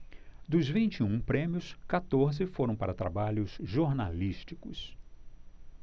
dos vinte e um prêmios quatorze foram para trabalhos jornalísticos